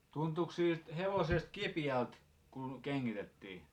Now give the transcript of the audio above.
tuntuiko siltä hevosesta kipeältä kun kengitettiin